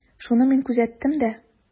Шуны мин күзәттем дә.